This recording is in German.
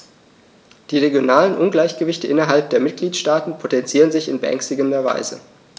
Die regionalen Ungleichgewichte innerhalb der Mitgliedstaaten potenzieren sich in beängstigender Weise.